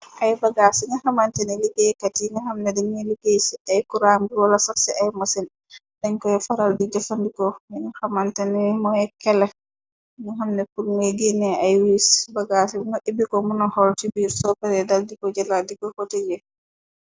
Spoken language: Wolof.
Ay bagaas ci ña xamantene, liggéeykat yi ña xamne diñuy liggéey ci ay kuraam bi, wala sax ci ay mosin dañ koy faral di jofandiko. ñuñ xamantene mooy kele, ñu xamne pul moy gennee ay wiis, bagasi nga ibbiko mëna xol ci biir, soo pere dal diko jëla di ko xote yi.